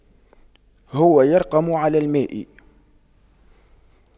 هو يرقم على الماء